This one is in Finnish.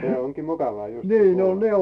Se onkii mukavaa justii kuulla.